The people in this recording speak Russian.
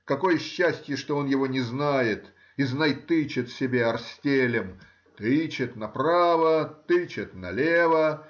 Какое счастье, что он его не знает,— и знай тычет себе орстелем — тычет направо, тычет налево